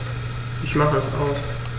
Ich mache es aus.